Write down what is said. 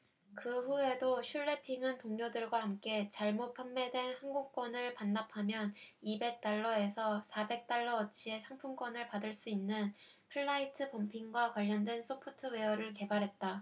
그후에도 슐레핑은 동료들과 함께 잘못 판매된 항공권을 반납하면 이백 달러 에서 사백 달러어치의 상품권을 받을 수 있는 플라이트 범핑과 관련된 소프트웨어를 개발했다